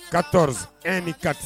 Ka t e ni ka ten